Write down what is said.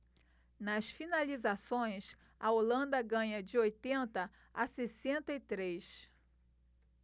nas finalizações a holanda ganha de oitenta a sessenta e três